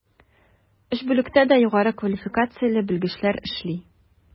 Өч бүлектә дә югары квалификацияле белгечләр эшли.